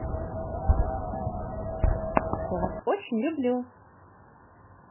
я вас очень люблю